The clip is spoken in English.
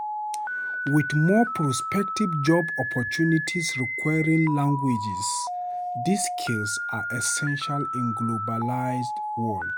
With more prospective job opportunities requiring languages, these skills are essential in a globalized world.